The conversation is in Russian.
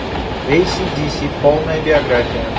эйси диси полная биография